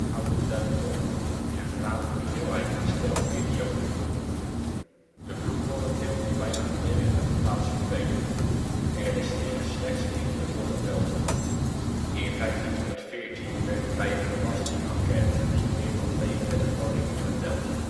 oude duintop en verraadt een veelheid aan stijlperioden. De bloembollenteelt is bijna volledig uit de plaats verdwenen: er resteren slechts enkele bollenvelden. Dorpskerk in Sassenheim In 1514 werden bij een belastingenquête niet meer dan 32 woningen geteld